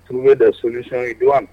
Tu bɛ da sosɔn ye don